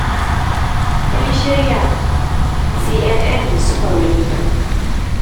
Kun shirya?” CNN suka ruwaito.